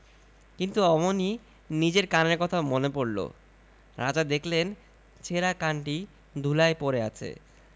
কিন্তু অমনি নিজের কানের কথা মনে পড়ল রাজা দেখলেন ছেঁড়া কানটি ধূলায় পড়ে আছে